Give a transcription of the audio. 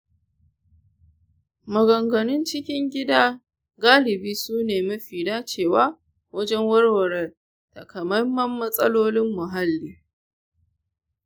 maganganun cikin gida galibi su ne mafi dacewa wajen warware takamaiman matsalolin muhalli.